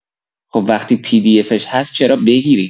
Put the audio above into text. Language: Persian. خب وقتی پی دی افش هست چرا بگیری